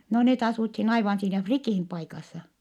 no ne asuttiin aivan siinä Frikin paikassa